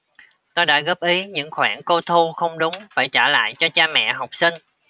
tôi đã góp ý những khoản cô thu không đúng phải trả lại cho cha mẹ học sinh